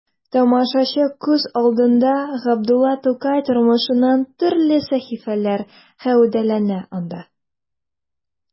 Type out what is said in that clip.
Тамашачы күз алдында Габдулла Тукай тормышыннан төрле сәхифәләр гәүдәләнә анда.